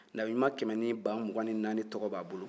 nabiɲuman kɛmɛ ni ba mugan ni naani tɔgɔ b'a bolo